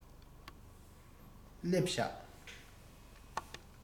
སླེབས བཞག